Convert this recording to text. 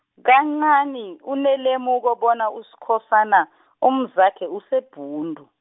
kancani unelemuko bona Uskhosana , umzakhe useBhundu.